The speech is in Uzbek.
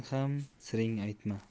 ham siring aytma